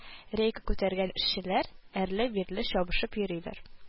Рейка күтәргән эшчеләр әрле-бирле чабышып йөриләр